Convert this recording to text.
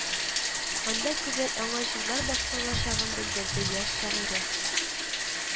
Анда күбрәк яңа җырлар башкарылачагын белдерде яшь шагыйрә